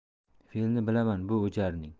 fe'lini bilaman bu o'jarning